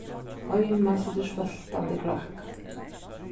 heima situr svøltandi kráka